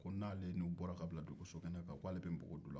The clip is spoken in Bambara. ko n'ale n'u bɔra ka bila dugu sokɛnɛ kan k'ale be npogo don u la